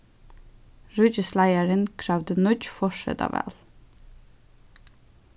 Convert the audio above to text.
ríkisleiðarin kravdi nýggj forsetaval